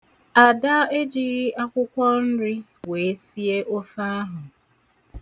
Ada ejighị akwụkwọ nri wee sie ofe ahụ.